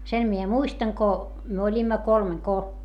sen minä muistan kun me olimme kolmen kun